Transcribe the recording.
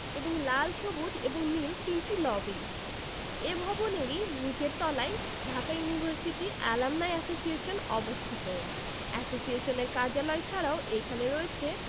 এবং লাল সবুজ এবং নীল তিনটি লবি এ ভবনেরই নিচের তলায় ঢাকা ইউনিভার্সিটি এলামনাই এসোসিয়েশন অবস্থিত এসোসিয়েশনের কার্যালয় ছাড়াও এখানে রয়েছে